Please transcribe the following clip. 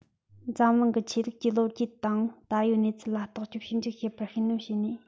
འཛམ གླིང གི ཆོས ལུགས ཀྱི ལོ རྒྱུས དང ད ཡོད གནས ཚུལ ལ རྟོག དཔྱོད ཞིབ འཇུག བྱེད པར ཤུགས སྣོན བྱས ནས